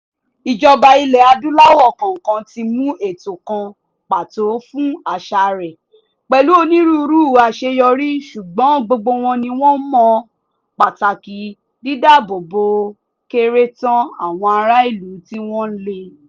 Ìjọba ilẹ̀ Adúláwò kọ̀ọ̀kan ti mú ètò kan pàtó fún àṣà rẹ̀, pẹ̀lú onírúurú àṣeyọrí, ṣùgbọ́n gbogbo wọn ni wọ́n mọ pàtàkì dídáábòbò ó kéré tán àwọn ará ìlú tí wọ́n lẹ.